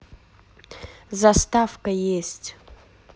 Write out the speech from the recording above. заставка есть